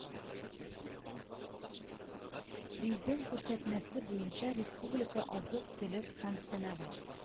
Президент күрсәтмәсе буенча республика азык-төлек һәм сәнәгать